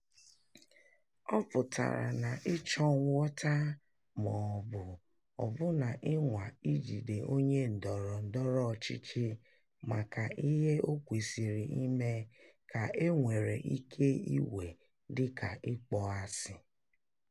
Ọ pụtara na ịchọ nghọta ma ọ bụ ọbụna ịnwa ijide onye ndọrọ ndọrọ ọchịchị maka ihe o kwesịrị ime ka e nwere ike iwe dịka ịkpọasị.